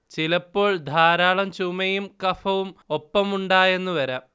ചിലപ്പോൾ ധാരാളം ചുമയും കഫവും ഒപ്പം ഉണ്ടായെന്ന് വരാം